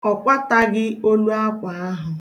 Ọ kwataghị oluakwa ahụ